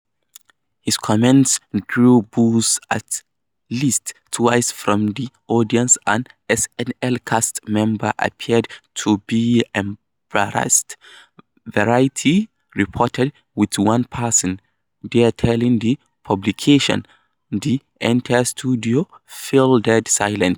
His comments drew boos at least twice from the audience and SNL cast members appeared to be embarrassed, Variety reported, with one person there telling the publication: "The entire studio fell dead silent."